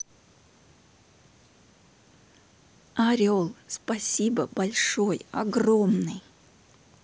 орел спасибо большой огромный